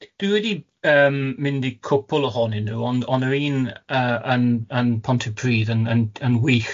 Dwi wedi yym mynd i cwpwl ohonyn nhw ond ond yr un yy yn yn yn Pontypridd yn yn yn wych.